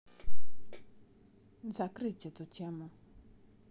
закрыть эту тему